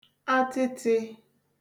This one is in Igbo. atịtị̄